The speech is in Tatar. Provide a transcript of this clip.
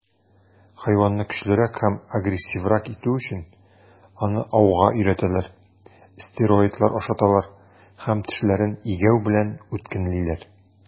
Хайванны көчлерәк һәм агрессиврак итү өчен, аны ауга өйрәтәләр, стероидлар ашаталар һәм тешләрен игәү белән үткенлиләр.